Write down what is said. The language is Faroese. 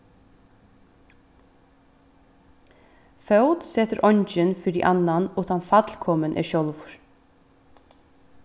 fót setir eingin fyri annan uttan fallkomin er sjálvur